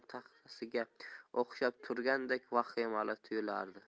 taxtasiga o'xshab turgandek vahimali tuyulardi